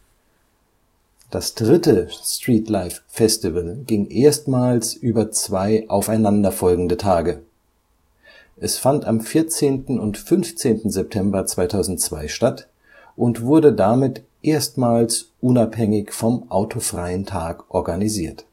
Das dritte Streetlife Festival ging erstmals über zwei aufeinanderfolgende Tage: Es fand am 14. und 15. September 2002 statt und wurde damit erstmals unabhängig vom autofreien Tag organisiert